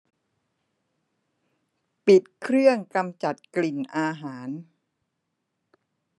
ปิดเครื่องกำจัดกลิ่นอาหาร